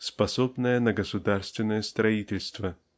способные на государственное строительство.